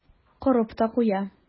Корып та куя.